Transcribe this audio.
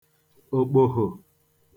okpoho